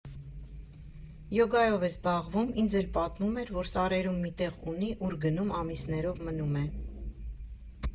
Յոգայով է զբաղվում, ինձ էլ պատմում էր, որ սարերում մի տեղ ունի, ուր գնում, ամիսներով մնում է։